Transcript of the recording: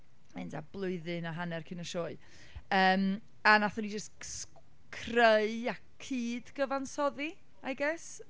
Ma' hyn tua blwyddyn a hanner cyn y sioe. Yym, a wnaethon ni jyst s- sc- creu a cyd-gyfansoddi, I guess?